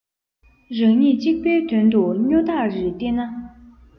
རང ཉིད གཅིག པུའི དོན དུ སྨྱོ རྟགས རེ བསྟན ན